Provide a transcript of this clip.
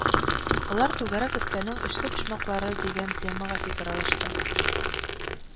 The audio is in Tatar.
Алар Түгәрәк өстәлнең очлы почмаклары дигән темага фикер алышты